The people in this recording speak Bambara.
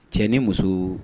Cɛ ni muso